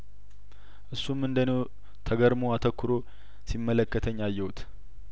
እሱም እንደእኔው ተገርሞ አተኩሮ ሲመለከተኝ አየሁት